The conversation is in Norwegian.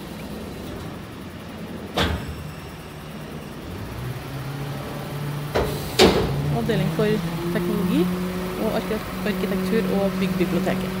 Avdeling for teknologi, og arkitekt arkitektur- og byggbiblioteket.